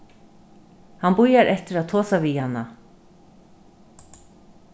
hann bíðar eftir at tosa við hana